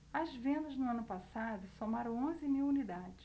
as vendas no ano passado somaram onze mil unidades